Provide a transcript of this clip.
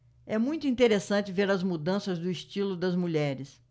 é muito interessante ver as mudanças do estilo das mulheres